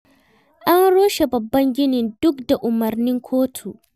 An rushe babban ginin duk da umarnin kotu